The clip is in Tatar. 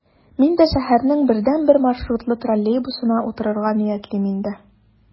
Мин дә шәһәрнең бердәнбер маршрутлы троллейбусына утырырга ниятлим инде...